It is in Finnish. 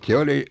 se oli